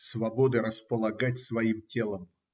свободы располагать своим телом.